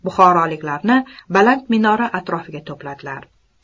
buxoroliklarni baland minora atrofiga to'pladilar